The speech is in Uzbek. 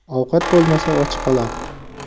ovqati bo'lmasa och qoladi